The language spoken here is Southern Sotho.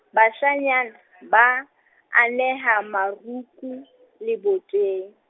bashanyana, ba, aneha boroku, leboteng.